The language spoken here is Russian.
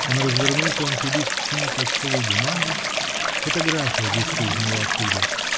Он развернул тонкий лист синей почтовой бумаги -- фотография выскользнула оттуда.